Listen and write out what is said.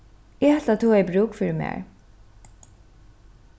eg helt at tú hevði brúk fyri mær